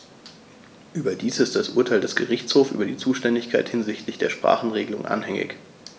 Überdies ist das Urteil des Gerichtshofes über die Zuständigkeit hinsichtlich der Sprachenregelung anhängig.